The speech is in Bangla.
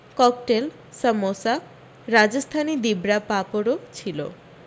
ককটেল সামোসা রাজস্থানি দিবড়া পাঁপড়ও ছিল